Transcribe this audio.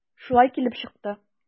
Шулай килеп чыкты.